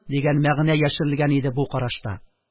Дигән мәгънә яшерелгән иде бу карашта